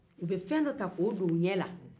u bɛ fɛn dɔ ta k'o don u ɲɛ la